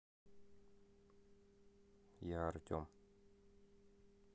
я артем